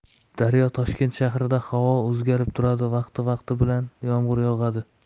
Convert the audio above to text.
daryo toshkent shahrida havo o'zgarib turadi vaqti vaqti bilan yomg'ir yog'adi